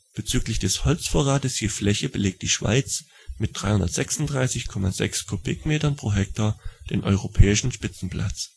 Bezüglich des Holzvorrates je Fläche belegt die Schweiz mit 336,6 m³/ha den europäischen Spitzenplatz